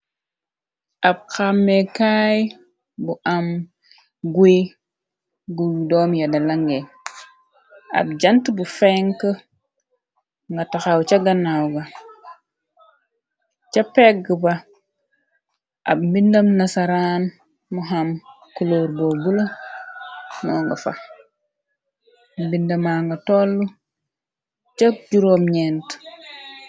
Ab xamekaay bu am guy gu doom yadalangee ab jant bu fenk nga taxaw ca gannaaw ga ca pegg ba ab mbindam na saraan moham culur boo bulo moo nga fax mbindama nga toll cë juo 4en.